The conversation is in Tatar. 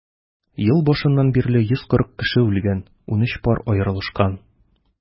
Ел башыннан бирле 140 кеше үлгән, 13 пар аерылышкан.